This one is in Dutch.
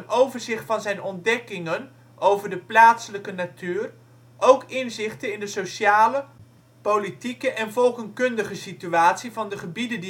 overzicht van zijn ontdekkingen over de plaatselijke natuur ook inzichten in de sociale, politieke en volkenkundige situatie van de gebieden